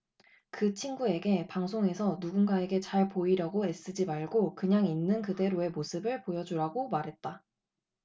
그 친구에게 방송에서 누군가에게 잘 보이려고 애쓰지 말고 그냥 있는 그대로의 모습을 보여 주라고 말했다